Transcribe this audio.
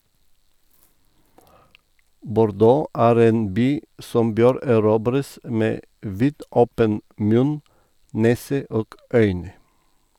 Bordeaux er en by som bør erobres med vidåpen munn, nese og øyne.